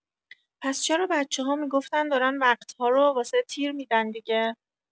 پس چرا بچه‌ها می‌گفتن دارن وقت‌ها رو واسه تیر می‌دن دیگه؟